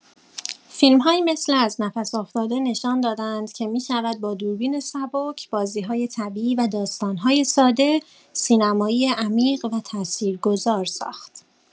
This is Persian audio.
فیلم‌هایی مثل از نفس افتاده نشان دادند که می‌شود با دوربین سبک، بازی‌های طبیعی و داستان‌های ساده، سینمایی عمیق و تاثیرگذار ساخت.